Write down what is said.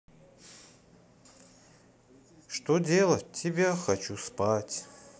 что делать тебя хочу спать